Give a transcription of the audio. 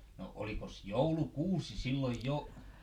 no olikos joulukuusi silloin jo